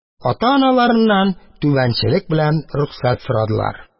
Ата-аналарыннан түбәнчелек белән рөхсәт сорадылар